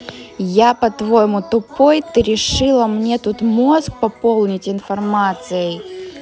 я по твоему тупой ты решила мне тут мозг пополнить информацией